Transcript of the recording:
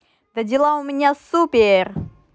да дела у меня супер